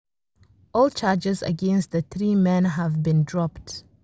All charges against the three men have been dropped.